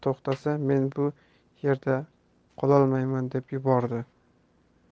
to'xtasa men bu yerda qololmayman deb yubordi